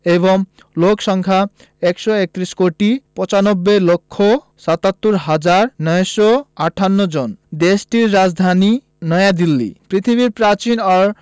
এবং লোক সংখ্যা ১৩১ কোটি ৯৫ লক্ষ ৭৭ হাজার ৯৫৮ জন দেশটির রাজধানী নয়াদিল্লী পৃথিবীর প্রাচীন ও